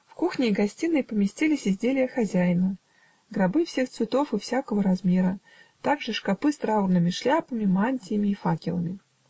в кухне и гостиной поместились изделия хозяина: гробы всех цветов и всякого размера, также шкапы с траурными шляпами, мантиями и факелами.